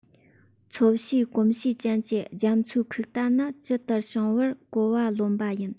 མཚོ བྱའི གོམས གཤིས ཅན གྱི རྒྱ མཚོའི ཁུག རྟ ནི ཇི ལྟར བྱུང བར གོ བ ལོན པ ཡིན